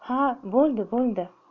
ha bo'ldi bo'ldi